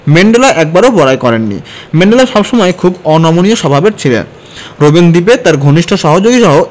Mandela একবারও বড়াই করেননি ম্যান্ডেলা সব সময় খুব অনমনীয় স্বভাবের ছিলেন রোবেন দ্বীপে তাঁর ঘনিষ্ঠ সহযোগীসহ